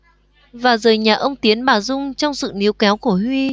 và rời nhà ông tiến bà dung trong sự níu kéo của huy